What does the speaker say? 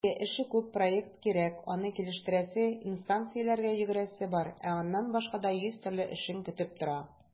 Әйе, эше күп - проект кирәк, аны килештерәсе, инстанцияләргә йөгерәсе бар, ә аннан башка да йөз төрле эшең көтеп тора.